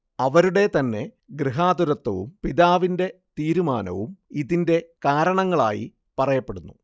അവരുടെ തന്നെ ഗൃഹാതുരത്വവും പിതാവിന്റെ തീരുമാനവും ഇതിന്റെ കാരണങ്ങളായി പറയപ്പെടുന്നു